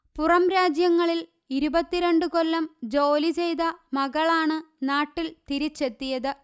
പുറം രാജ്യങ്ങളിൽ ഇരുപത്തിരണ്ട് കൊല്ലം ജോലി ചെയ്ത മകളാണ് നാട്ടിൽ തിരിച്ചെത്തിയത്